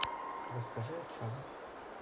расскажи о чем